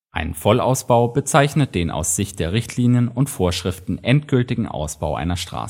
Ein Vollausbau bezeichnet den aus Sicht der Richtlinien und Vorschriften endgültigen Ausbau einer Straße